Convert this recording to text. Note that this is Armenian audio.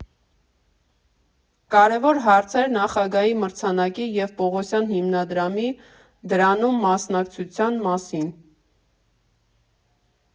Կարևոր հարցեր նախագահի մրցանակի և Պողոսյան հիմնադրամի՝ դրանում մասնակցության մասին։